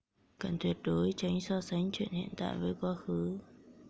cần tuyệt đối tránh so sánh chuyện hiện tại với quá khứ